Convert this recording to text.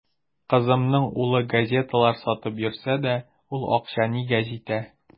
Кызымның улы газеталар сатып йөрсә дә, ул акча нигә җитә.